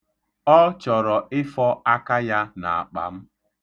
Ọ chọrọ ịfọ aka ya n'akpa m.